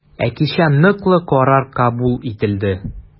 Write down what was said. Ә кичә ныклы карар кабул ителде.